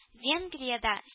Венгриядә